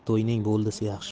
to'yning bo'ldisi yaxshi